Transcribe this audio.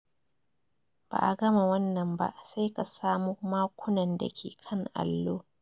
Ba’a gama wannan ba sai ka samo makunan dake kan allo.